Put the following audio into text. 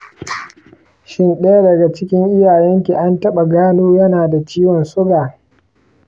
shin ɗaya daga cikin iyayenki an taɓa gano yana da ciwon suga?